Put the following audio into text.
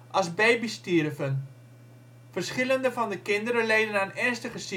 als baby stierven. Verschillende van de kinderen leden aan ernstige